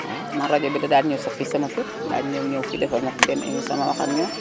man rajo bi da daan ñëw sax fii sama kër daal dina doon ñew fii defal ma fi benn émission ma wax ak ñoom